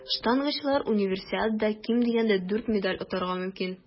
Штангачылар Универсиадада ким дигәндә дүрт медаль отарга мөмкин.